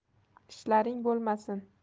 ishlaring bo'lmasin